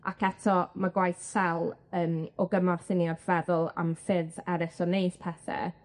Ac eto, ma' gwaith Sel yn o gymorth i ni wrth feddwl am ffyrdd eryll o neud pethe.